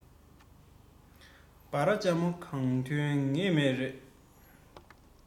གདོང དྲུག འཁོར བ འབྲོག པའི ཤོ དང འདྲ